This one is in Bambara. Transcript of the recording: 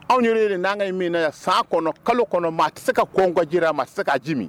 Anw yɛrɛ n'an ka min yan san kɔnɔ kalo kɔnɔ ma a tɛ se ka kɔ jira a ma se kaa ji min